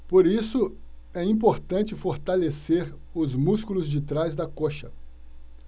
por isso é importante fortalecer os músculos de trás da coxa